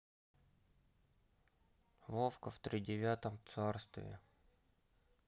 вовка в тридевятом царстве